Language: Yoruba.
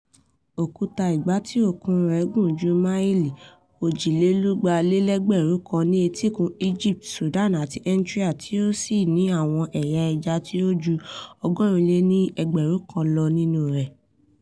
Òkúta ìgbátí-òkun rẹ̀ gùn ju máìlì 1,240 ní etíkun Egypt, Sudan, àti Eritrea tí ó sì ní àwọn ẹ̀yà ẹja tí ó ju 1,100 lọ nínú rẹ̀.